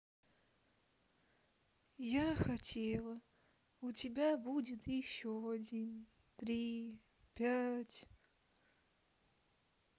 я хотела у тебя будет еще один три пять